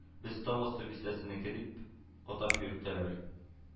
«без—тау асты бистәсенеке!» — дип атап йөртәләр